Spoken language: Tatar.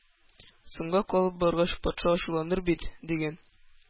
Соңга калып баргач, патша ачуланыр бит! — дигән.